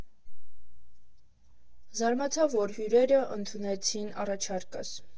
Զարմացա, որ հյուրերն ընդունեցին առաջարկս։